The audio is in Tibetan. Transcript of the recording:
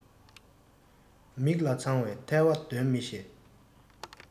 མིག ལ འཚངས པའི ཐལ བ འདོན མི ཤེས